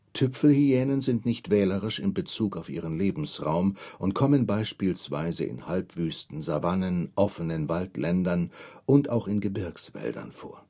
Tüpfelhyänen sind nicht wählerisch in Bezug auf ihren Lebensraum und kommen beispielsweise in Halbwüsten, Savannen, offenen Waldländern und auch in Gebirgswäldern vor